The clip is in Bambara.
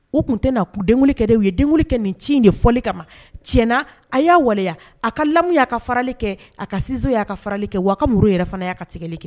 U tun tɛna kun denlikɛ de ye den kɛ nin ci ye fɔli kama ma tiɲɛna a y'a waleya a ka lamɛnmu' a ka farali kɛ a ka szo y' a ka farali kɛ wa a ka muru yɛrɛ fana y'a ka tigɛli kɛ